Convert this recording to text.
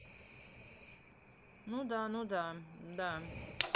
ну да ну да да